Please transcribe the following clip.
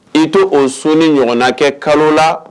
I to o sɔn ni ɲɔgɔnna kɛ kalo la